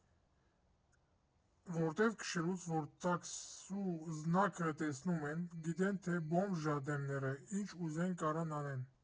Որտև քշելուց որ տաքս զնակը տեսնում են, գիտեն թե բոմժ ա դեմները, ինչ ուզեն կարան անեն։